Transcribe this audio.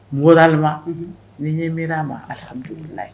Mɔgɔda ni ɲɛ mir' a ma ala ye